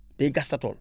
day gas sa tool